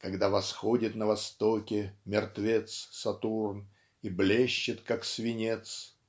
когда "восходит на востоке мертвец-Сатурн и блещет как свинец"